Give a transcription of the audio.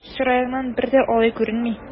Чыраеңнан бер дә алай күренми!